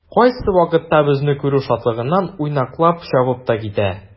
Кайсы вакытта безне күрү шатлыгыннан уйнаклап чабып та китә.